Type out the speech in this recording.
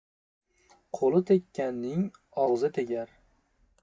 qo'li tekkanning og'zi tegar